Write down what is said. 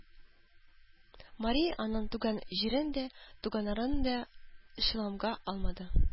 Мария аның туган җирен дә, туганнарын да чалымга алмады.